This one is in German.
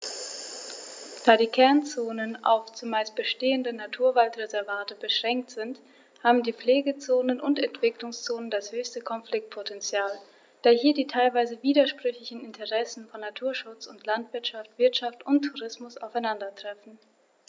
Da die Kernzonen auf – zumeist bestehende – Naturwaldreservate beschränkt sind, haben die Pflegezonen und Entwicklungszonen das höchste Konfliktpotential, da hier die teilweise widersprüchlichen Interessen von Naturschutz und Landwirtschaft, Wirtschaft und Tourismus aufeinandertreffen.